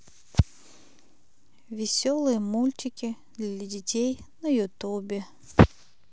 веселые мультики для детей на ютубе